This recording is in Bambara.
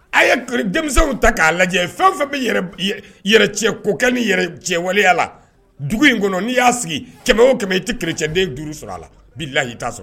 A ye denmisɛnw ta k'a lajɛ fɛn o fɛn bɛ yɛrɛtiɲɛkokɛ ni yɛrɛtiɲɛwaleya la dugu in kɔnɔ n'i y'a sigi kɛmɛ o kɛmɛ i tɛ kerecɛnden duuru sɔr'a la bilahi i t'a sɔrɔ